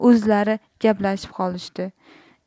o'zlari gaplashib qolishdi